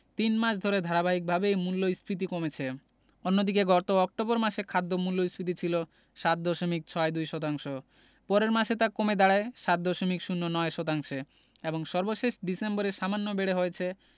তিন মাস ধরে ধারাবাহিকভাবেই মূল্যস্ফীতি কমেছে অন্যদিকে গত অক্টোবর মাসে খাদ্য মূল্যস্ফীতি ছিল ৭ দশমিক ৬২ শতাংশ পরের মাসে তা কমে দাঁড়ায় ৭ দশমিক ০৯ শতাংশে এবং সর্বশেষ ডিসেম্বরে সামান্য বেড়ে হয়েছে